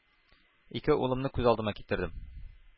Ике улымны күз алдыма китердем,